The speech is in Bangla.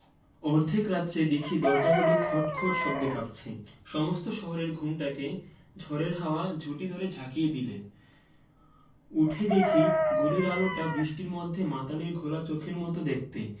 অর্ধেক রাত্রে দেখি দরজাগুলো খটখট শব্দে কাঁপছে সমস্ত শহরের ঘুমটাকে ঝড়ের হাওয়া ঝুঁটি ধরে ঝাঁকিয়ে দিলে উঠে দেখি গলির আলোটা বৃষ্টির মধ্যে মাতালের ঘোলা চোখের মত দেখতে